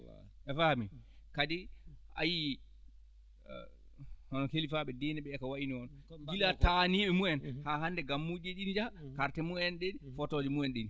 a faami kadi a yiyii hono kilifaaɓe diine ɓee ko wayi non gila taaniiɓe mumen haa hannde gammuuji ɗii ne njaha carte mumen ɗene photo je memen ɗi